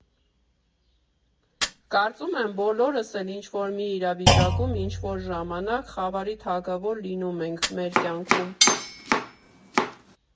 Կարծում եմ, բոլորս էլ ինչ֊որ մի իրավիճակում ինչ֊որ ժամանակ խավարի թագավոր լինում ենք մեր կյանքում։